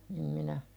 en minä